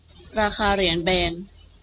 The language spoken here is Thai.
ราคาเหรียญแบรนด์